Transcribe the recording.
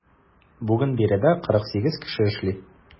Бүген биредә 48 кеше эшли.